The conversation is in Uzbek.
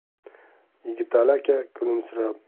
yigitali aka kulimsirab